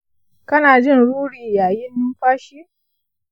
kana jin ruri yayin numfashi?